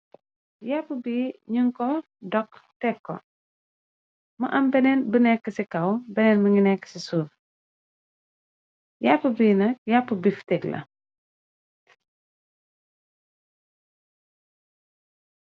Yàppu bi nyunko dokk tekko mo am beneen bu nekk ci kaw beneen bi ngi nekk ci suuf yàppu bi nak yàpp bi fitég la.